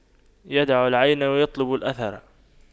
يدع العين ويطلب الأثر